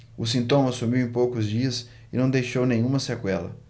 o sintoma sumiu em poucos dias e não deixou nenhuma sequela